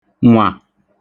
nwà